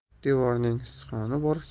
devorning sichqoni bor